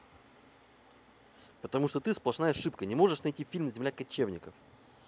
потому что ты сплошная ошибка не можешь найти фильм земля кочевников